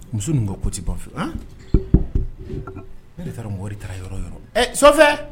Muso min ko ko tɛ ban fɛ e taara mɔgɔ taara yɔrɔ yɔrɔ so